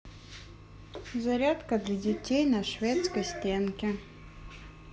зарядка для детей на шведской стенке